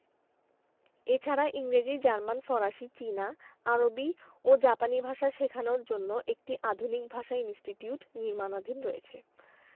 এছাড়া ইংরেজি জার্মান ফরাসি চীনা আরবি ও জাপানি ভাষা শেখানোর জন্য একটি আধুনিক ভাষা ইনস্টিটিউট নির্মাণাধীন রয়েছে